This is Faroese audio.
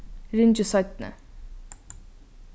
ringi seinni